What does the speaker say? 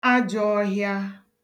ajọ̄ọhịa